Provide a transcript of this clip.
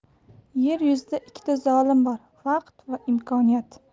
yer yuzida ikkita zolim bor vaqt va imkoniyat i